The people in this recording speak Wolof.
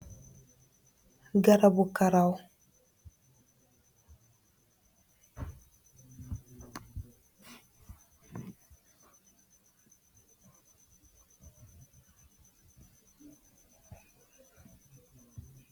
Garabu karaw dang ku deb jefe ndukoh si karaw